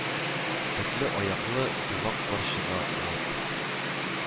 Төкле аяклы елак карчыга лат